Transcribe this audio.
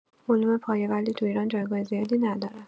علوم پایه ولی تو ایران جایگاه زیادی نداره.